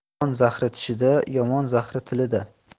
ilon zahri tishida yomon zahri tilida